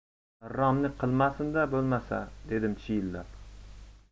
g'irromlik qilmasin da bo'lmasa dedim chiyillab